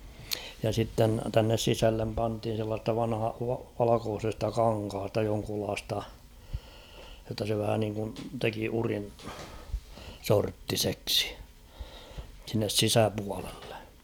ja sitten tänne sisälle pantiin sellaisesta -- valkoisesta kankaasta jonkunlaista jotta se vähä niin kuin teki udin sorttiseksi sinne sisäpuolelle